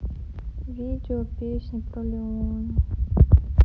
видео песни про леона